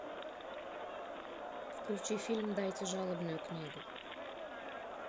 включи фильм дайте жалобную книгу